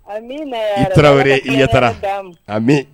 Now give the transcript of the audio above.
I tarawele i la ka mɛn